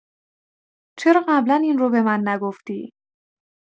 چرا قبلا این رو به من نگفتی؟